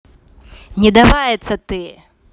не давается ты